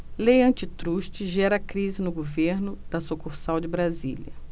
lei antitruste gera crise no governo da sucursal de brasília